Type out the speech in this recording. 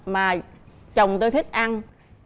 mà chồng tui thích ăn